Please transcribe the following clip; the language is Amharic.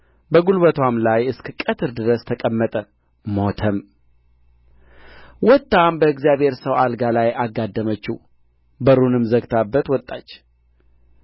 አንድ ቀንም እህል አጫጆች ወዳሉበት ወደ አባቱ ወጣ አባቱንም ራሴን ራሴን አለው እርሱም ሎሌውን ተሸክመህ ወደ እናቱ ውሰደው አለው አንሥቶም ወደ እናቱ ወሰደው